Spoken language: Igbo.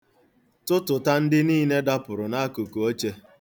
Tụtụta ndị niile dapụrụ n'akụkụ oche.